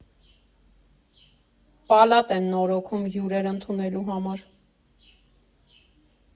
Պալատ են նորոգում՝ հյուրեր ընդունելու համար։